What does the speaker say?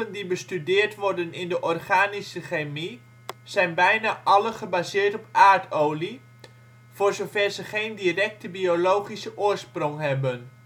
die bestudeerd worden in de organische chemie zijn bijna alle gebaseerd op aardolie, voor zover ze geen directe biologische oorsprong hebben